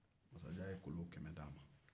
masajan ye kolon 100 d'a ma